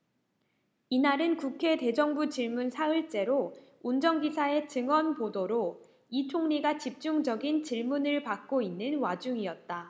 이날은 국회 대정부질문 사흘째로 운전기사의 증언 보도로 이 총리가 집중적인 질문을 받고 있는 와중이었다